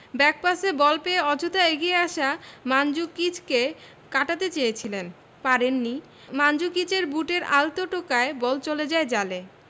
ব্যাকপাসে বল পেয়ে অযথা এগিয়ে আসা মানজুকিচকে কাটাতে চেয়েছিলেন পারেননি মানজুকিচের বুটের আলতো টোকায় বল চলে যায় জালে